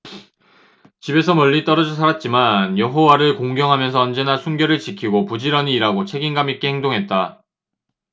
집에서 멀리 떨어져 살았지만 여호와를 공경하면서 언제나 순결을 지키고 부지런히 일하고 책임감 있게 행동했다